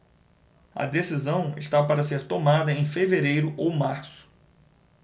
a decisão está para ser tomada em fevereiro ou março